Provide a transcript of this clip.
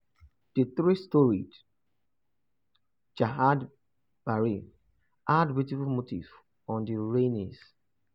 The three-storied "Jahaj Bari" had beautiful motifs on the railings.